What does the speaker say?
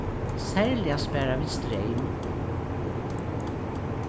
serliga spara vit streym